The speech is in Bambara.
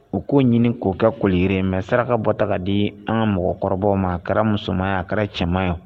U k'o ɲini k'o kɛ koliyre mɛ saraka bɔ taga ka di an mɔgɔkɔrɔba ma kɛra musomanya kɛra cɛman